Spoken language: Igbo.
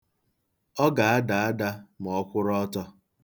Ọ ga-ada ada ma ọ kwụrụ ọtọ.